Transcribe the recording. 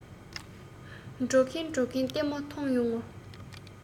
འགྲོ གིན འགྲོ གིན ལྟད མོ མཐོང ཡོང ངོ